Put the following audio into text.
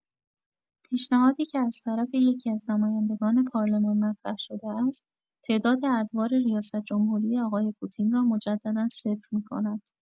پیشنهادی که از طرف یکی‌از نمایندگان پارلمان مطرح‌شده است تعداد ادوار ریاست‌جمهوری آقای پوتین را «مجددا صفر می‌کند».